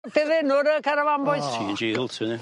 ...di'r enw'r yy carafan bois? O. Tee and Jay Hilton ie?